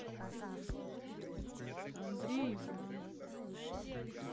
андрей иван